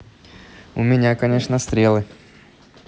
у меня конечно стрелы